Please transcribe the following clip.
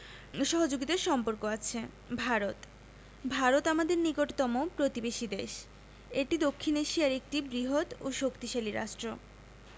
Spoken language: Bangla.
সহযোগিতার সম্পর্ক আছে ভারতঃ ভারত আমাদের নিকটতম প্রতিবেশী দেশএটি দক্ষিন এশিয়ার একটি বৃহৎও শক্তিশালী রাষ্ট্র